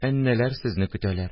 Әннәләр сезне көтәләр